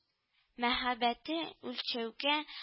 Мәхәббәте үлчәүгә